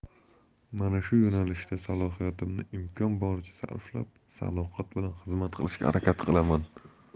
mana shu yo'nalishda salohiyatimni imkon boricha sarflab sadoqat bilan xizmat qilishga harakat qilaman